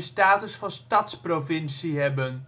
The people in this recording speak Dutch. status van stadsprovincie hebben.